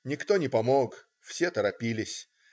Никто не помог: все торопились.